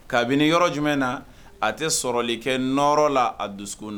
Kabini yɔrɔ jumɛn na a tɛ sɔrɔli kɛ nɔrɔ la a dusu na